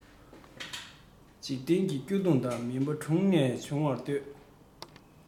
འཇིག རྟེན གྱི སྐྱོ གདུང དང མུན པ དྲུངས ནས དབྱུང བར འདོད